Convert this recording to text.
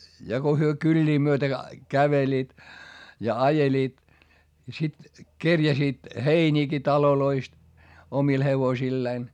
ja kun he kyliä myöten kävelivät ja ajelivat ja sitten kerjäsivät heiniäkin taloista omille hevosilleen